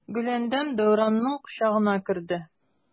Гөләндәм Дәүранның кочагына керде.